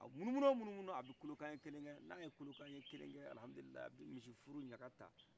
a munumunu yo munumunu a bi kulekan ɲɛ kelenkɛ n'aye kulenkan ɲɛ kelenkɛ alihamidulilahi a bi misi furu ɲaka taa